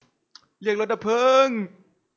เรียกรถดับเพลิง